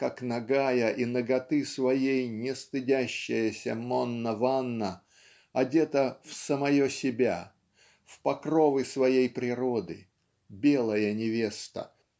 как нагая и наготы своей не стыдящаяся Монна Ванна одета в самое себя в покровы своей природы белая невеста